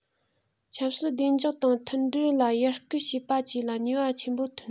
ཆབ སྲིད བདེ འཇགས དང མཐུན སྒྲིལ ལ ཡར སྐུལ བྱེད པ བཅས ལ ནུས པ ཆེན པོ ཐོན